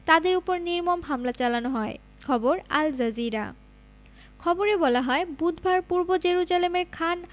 তাদের ওপর নির্মম হামলা চালানো হয় খবর আল জাজিরা খবরে বলা হয় বুধবার পূর্ব জেরুজালেমের খান